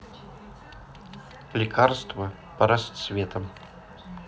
лекарство по расцветом